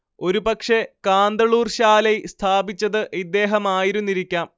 ഒരുപക്ഷേ കാന്തളൂർ ശാലൈ സ്ഥാപിച്ചത് ഇദ്ദേഹമായിരുന്നിരിക്കാം